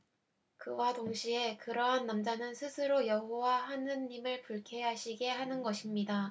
그와 동시에 그러한 남자는 스스로 여호와 하느님을 불쾌하시게 하는 것입니다